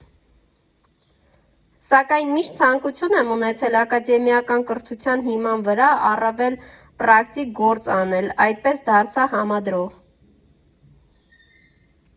Սակայն միշտ ցանկություն եմ ունեցել ակադեմիական կրթության հիման վրա առավել պրակտիկ գործ անել, այդպես դարձա համադրող։